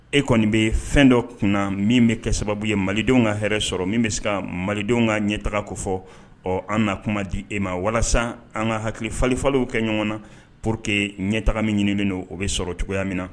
E kɔni bɛ fɛn dɔ kunna min bɛ kɛ sababu ye malidenw ka hɛrɛɛrɛ sɔrɔ min bɛ se ka malidenw ka ɲɛ taga ko fɔ ɔ an naa kuma di e ma walasa an ka hakilifalifaliw kɛ ɲɔgɔn na po que ɲɛ taga min ɲini don o bɛ sɔrɔ cogoya min na